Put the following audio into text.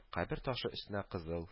Кабер ташы өстенә кызыл